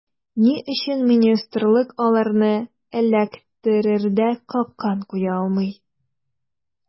Ни өчен министрлык аларны эләктерердәй “капкан” куя алмый.